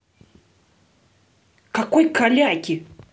какой каляки